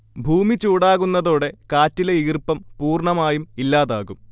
ഭൂമി ചൂടാകുന്നതോടെ കാറ്റിലെ ഈർപ്പം പൂർണമായും ഇല്ലാതാകും